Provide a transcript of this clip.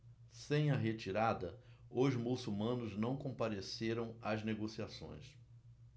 sem a retirada os muçulmanos não compareceram às negociações